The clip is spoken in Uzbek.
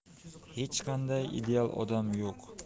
hech qanday ideal odam yo'q